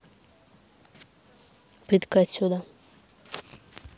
пытка отсюда